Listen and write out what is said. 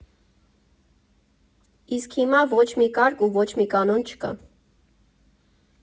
Իսկ հիմա՝ ոչ մի կարգ ու ոչ մի կանոն չկա։